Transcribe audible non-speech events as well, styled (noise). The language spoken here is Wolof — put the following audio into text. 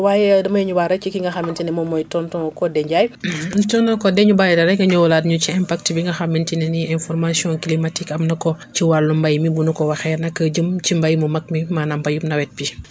waaye damay ñëwaat rek ci ki nga xamante ne moom mooy tonton Codé Ndiaye (noise) tonton Codé ñu bàyyi la rek nga ñëwalaat ñu ci impact bi nga xamante ne nii information climatique am na ko ci wàllum mbéy mi bu nu ko waxee nag jëm ci mbéy mu mag mi maanaam mbéyum nawet bi